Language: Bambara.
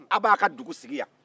aw bɛ aw ka dugu sigi yan